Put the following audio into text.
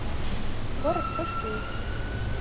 город пышкейк